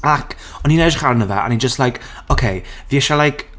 Ac, o'n i'n edrych arno fe, a o'n i just like "OK fi isie like"...